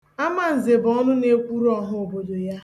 Amanze bụ ọnụnaekwuruọha obodo ya